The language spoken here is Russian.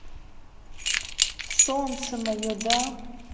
солнце мое да